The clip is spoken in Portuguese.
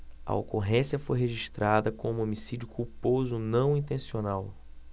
a ocorrência foi registrada como homicídio culposo não intencional